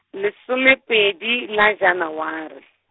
lesomepedi la Janaware.